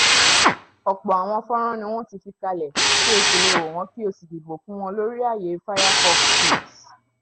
Ọ̀pọ̀ àwọn fọ́nrán ni wọ́n ti fi kalẹ̀, tí o sì le wò wọ́n kí o sì dìbò fún wọn lórí àyè Firefox Flicks.